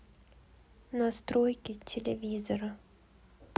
настройки телевизора